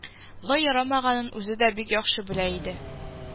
Болай ярамаганын үзе дә бик яхшы белә иде